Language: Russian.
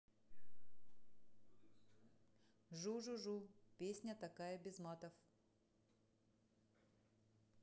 жужужу песня такая без матов